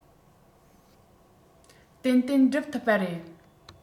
ཏན ཏན སྒྲུབ ཐུབ པ རེད